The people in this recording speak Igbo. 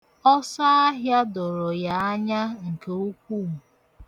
Ọsọahịa doro ya anya nke ukwu.